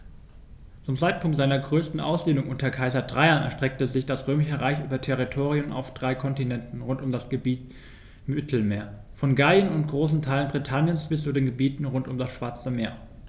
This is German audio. Zum Zeitpunkt seiner größten Ausdehnung unter Kaiser Trajan erstreckte sich das Römische Reich über Territorien auf drei Kontinenten rund um das Mittelmeer: Von Gallien und großen Teilen Britanniens bis zu den Gebieten rund um das Schwarze Meer.